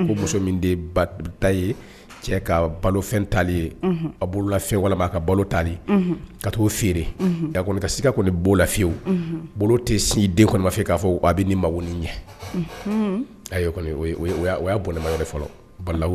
Ko muso ye cɛ ka balofɛn ye bolola wala'a ka balo tali ka to feere kɔnika kɔni bolola fiyewu tɛ sin den kɔnɔma fɛ k'a fɔ a bɛ ni ma ɲɛ'ba fɔlɔla